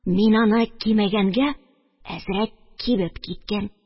Мин аны кимәгәнгә, әзрәк кибеп киткән.